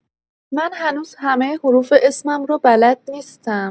من هنوز همه حروف اسمم رو بلد نیستم.